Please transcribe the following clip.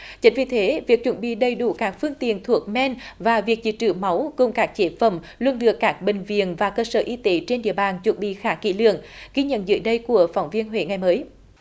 chính vì thế việc chuẩn bị đầy đủ các phương tiện thuốc men và việc dự trữ máu cùng các chế phẩm nước việc các bệnh viện và cơ sở y tế trên địa bàn chuẩn bị khá kỹ lưỡng ghi nhận dưới đây của phóng viên huế ngày mới